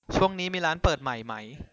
ช่วงนี้มีร้านเปิดใหม่ไหม